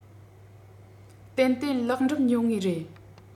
ཏན ཏན ལེགས འགྲུབ འབྱུང ངེས རེད